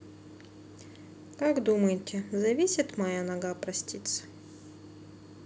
как думаете зависит моя нога простится